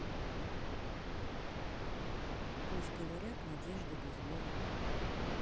пусть говорят надежда без веры